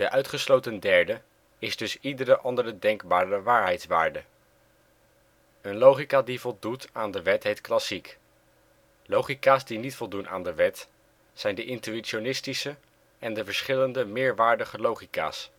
uitgesloten derde ' is dus iedere andere denkbare waarheidswaarde. Een logica die voldoet aan de wet heet klassiek. Logica 's die niet voldoen aan de wet zijn de intuïtionistische en de verschillende meerwaardige logica 's